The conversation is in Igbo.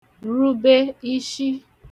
rube ishi